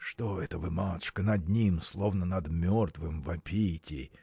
– Что это вы, матушка, над ним, словно над мертвым, вопите?